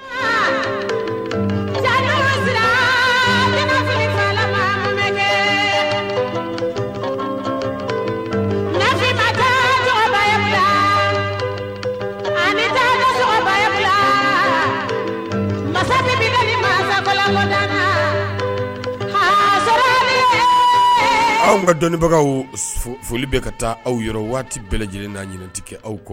Masakɛbaba la masakɛ sɔrɔ nka dɔnnibagaw foli bɛ ka taa aw yɔrɔ waati bɛɛ lajɛlen na ɲintigi aw kan